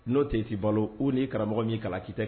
N'o teti balo u ni karamɔgɔ min kalaki tɛ